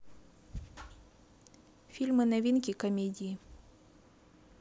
фильмы новинки комедии